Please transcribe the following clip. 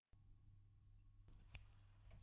སྟེང འོག དང མཐོ དམའ